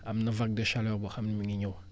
am na vague de chaleur boo xam ne mu ngi ñëw